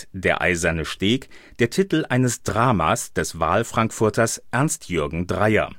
Der eiserne Steg (1987) ist der Titel eines Dramas des Wahlfrankfurters Ernst-Jürgen Dreyer